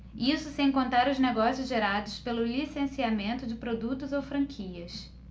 isso sem contar os negócios gerados pelo licenciamento de produtos ou franquias